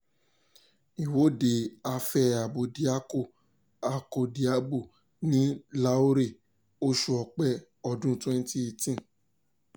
Ìwọ́de Afẹ́ Abódiakọ-akọ́diabo ní Lahore, oṣù Ọ̀pẹ, ọdún 2018.